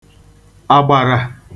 àgbàrà